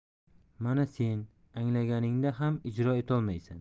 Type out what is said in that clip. mana sen anglaganingda ham ijro etolmaysan